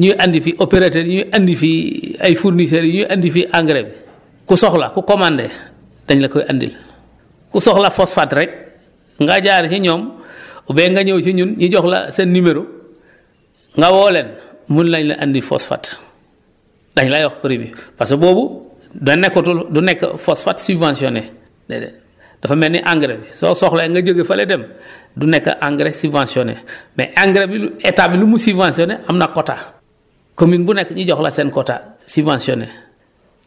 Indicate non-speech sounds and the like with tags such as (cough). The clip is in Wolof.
ñuy andi fii opérateurs yi ñuy andi fii (hesitation) ay fournisseurs yu ñuy andi fii engrais bi ku soxla ku commandé dañ la koy andil ku soxla phosphate rek nga jaar si ñoom (breath) oubien nga ñëw si ñun ñu jox la seen numéro nga woo leen mun naénu la andil phosphate daén lay wax prix bi parce que boobu daa nekkatul du nekk phosphate subventionné déedéet dafa mel ni engrais bi soo soxlawee nga jóge fële dem du nekk engrais subventionné (breath) mais engrais bi lu état bi lu mu subventionné am na quota commune bu nekk ñu jox la seen quota subventionné